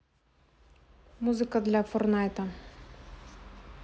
музыка для фортнайта